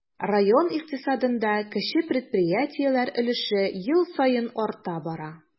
Район икътисадында кече предприятиеләр өлеше ел саен арта бара.